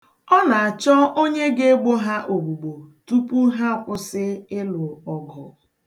Ọ na-achọ onye ga-egbo ha ogbugbo tupu ha akwụsị ịlụ ọgụ.